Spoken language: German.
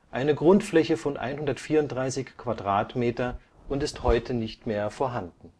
eine Grundfläche von 134 m² und ist heute nicht mehr vorhanden